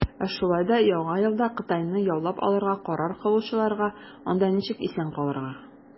Ә шулай да Яңа елда Кытайны яулап алырга карар кылучыларга, - анда ничек исән калырга.